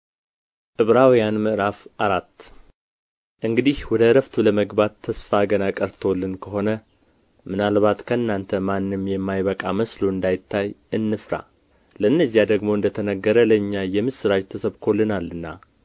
ዕብራውያን ምዕራፍ አራት እንግዲህ ወደ ዕረፍቱ ለመግባት ተስፋ ገና ቀርቶልን ከሆነ ምናልባት ከእናንተ ማንም የማይበቃ መስሎ እንዳይታይ እንፍራ ለእነዚያ ደግሞ እንደ ተነገረ ለእኛ የምስራች ተሰብኮልናልና